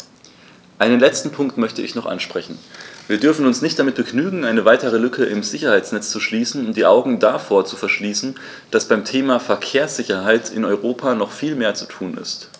Einen letzten Punkt möchte ich noch ansprechen: Wir dürfen uns nicht damit begnügen, eine weitere Lücke im Sicherheitsnetz zu schließen und die Augen davor zu verschließen, dass beim Thema Verkehrssicherheit in Europa noch viel mehr zu tun ist.